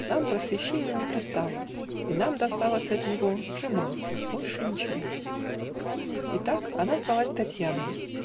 Нам просвещенье не пристало, И нам досталось от него Жеманство, - больше ничего. Итак, она звалась Татьяной.